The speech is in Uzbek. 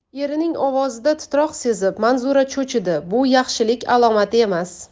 erining ovozida titroq sezib manzura cho'chidi bu yaxshilik alomati emas